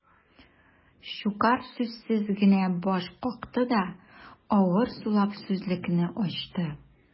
Щукарь сүзсез генә баш какты да, авыр сулап сүзлекне ачты.